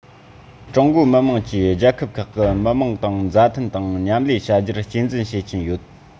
ཀྲུང གོའི མི དམངས ཀྱིས རྒྱལ ཁག ཁག གི མི དམངས དང མཛའ མཐུན དང མཉམ ལས བྱ རྒྱུར གཅེས འཛིན བྱེད ཀྱིན ཡོད